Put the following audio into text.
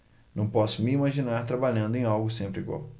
não posso me imaginar trabalhando em algo sempre igual